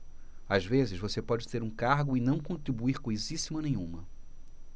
às vezes você pode ter um cargo e não contribuir coisíssima nenhuma